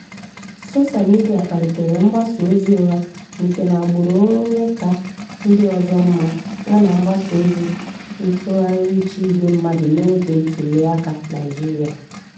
Soshaa midịa kpalitere mgbasa ozi ụgha nke na agbụrụ onye ka ndị ọzọ mma yana mgbasa ozi ntụgharị uche ìgwe mmadụ n'oge ntụliaka Naịjirịa